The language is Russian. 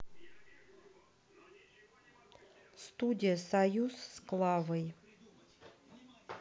студия союз с клавой